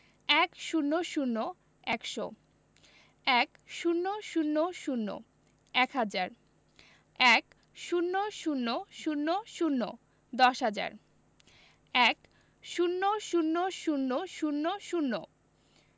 ১০০ – একশো ১০০০ – এক হাজার ১০০০০ দশ হাজার ১০০০০০